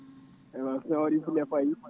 ne waɗi fulla e fayida